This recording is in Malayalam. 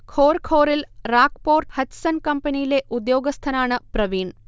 ഖോർ ഖോറിൽ റാക് പോർട്ട് ഹച്ച്സൺ കമ്പനിയിലെ ഉദ്യോഗസ്ഥനാണ് പ്രവീൺ